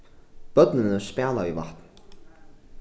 børnini spæla við vatn